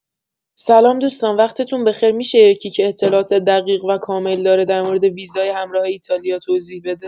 سلام دوستان وقتتون بخیر می‌شه یکی که اطلاعات دقیق و کامل داره در مورد ویزای همراه ایتالیا توضیح بده؟